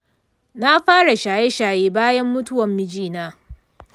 na fara shaye shaye bayan mutuwan mijina.